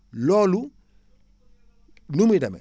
loolu nu muy demee